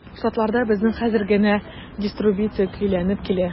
Штатларда безнең хәзер генә дистрибуция көйләнеп килә.